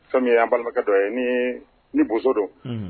Fɛn min ye an balima kɛ dɔ ye ni boso don.